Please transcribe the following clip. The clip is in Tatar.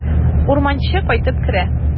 Урманчы кайтып керә.